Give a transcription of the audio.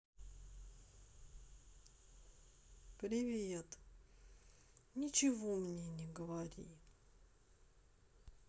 привет ничего мне не говори